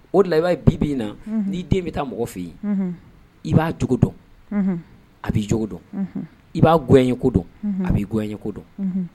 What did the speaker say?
O la i b'a bi' na n' den bɛ taa mɔgɔ fɛ yen i b'a jo dɔn a b' jo dɔn i b'a ga ye ko dɔn a b'iuɲɛko dɔn